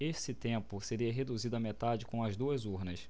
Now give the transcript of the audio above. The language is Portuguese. esse tempo seria reduzido à metade com as duas urnas